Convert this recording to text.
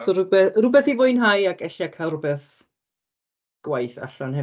So rywbeth rywbeth i fwynhau ac ella cael rywbeth gwaith allan hef-...